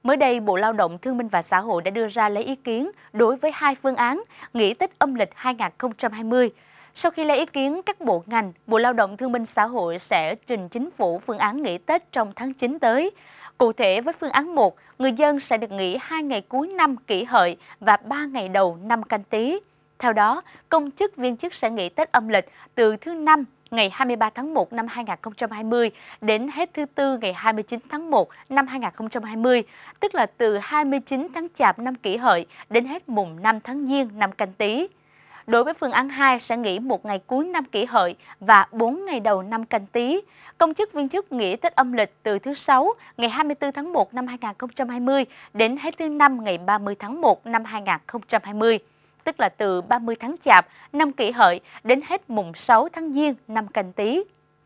mới đây bộ lao động thương binh và xã hội đã đưa ra lấy ý kiến đối với hai phương án nghỉ tết âm lịch hai nghìn không trăm hai mươi sau khi lấy ý kiến các bộ ngành bộ lao động thương binh xã hội sẽ trình chính phủ phương án nghỉ tết trong tháng chín tới cụ thể với phương án một người dân sẽ được nghỉ hai ngày cuối năm kỷ hợi và ba ngày đầu năm canh tý theo đó công chức viên chức sẽ nghỉ tết âm lịch từ thứ năm ngày hai mươi ba tháng một năm hai nghìn không trăm hai mươi đến hết thứ tư ngày hai mươi chín tháng một năm hai nghìn không trăm hai mươi tức là từ hai mươi chín tháng chạp năm kỷ hợi đến hết mùng năm tháng giêng năm canh tý đối với phương án hai sẽ nghỉ một ngày cuối năm kỷ hợi và bốn ngày đầu năm canh tý công chức viên chức nghỉ tết âm lịch từ thứ sáu ngày hai mươi tư tháng một năm hai nghìn không trăm hai mươi đến hết thứ năm ngày ba mươi tháng một năm hai nghìn không trăm hai mươi tức là từ ba mươi tháng chạp năm kỷ hợi đến hết mùng sáu tháng giêng năm canh tý